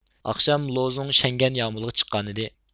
ئاخشام لوزۇڭ شەڭگەن يامۇلغا چىققانىدى